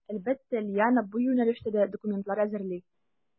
Әлбәттә, Лиана бу юнәлештә дә документлар әзерли.